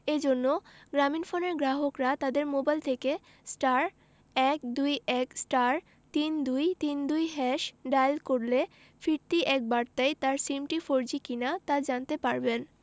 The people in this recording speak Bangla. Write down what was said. এ জন্য গ্রামীণফোনের গ্রাহকরা তাদের মোবাইল থেকে ১২১৩২৩২ ডায়াল করলে ফিরতি এক বার্তায় তার সিমটি ফোরজি কিনা তা জানতে পারবেন